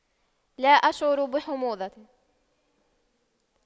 لا أشعر بحموضة